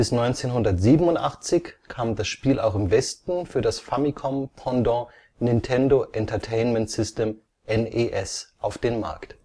1987 kam das Spiel auch im Westen für das Famicom-Pendant Nintendo Entertainment System (NES) auf den Markt